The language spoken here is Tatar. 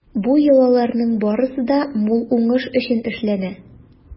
Бу йолаларның барысы да мул уңыш өчен эшләнә.